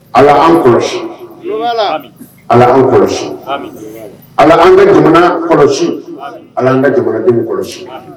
Ala an kɔlɔsi,. i tulo b'a la? Ami! Ala an kɔlɔsi,. Ami! Ala an ka jamana kɔlɔsi,. Ami! Ala an ka jamanadenw kɔlɔsi. Ami!